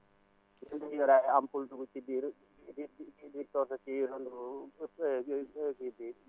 dañuy yore ay ampoule dugg ci biir * si biir ****